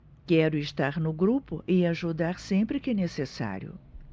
quero estar no grupo e ajudar sempre que necessário